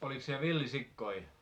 oliko siellä villisikoja